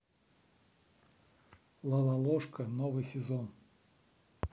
лололошка новый сезон